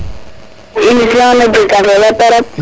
émission ne jega solo trop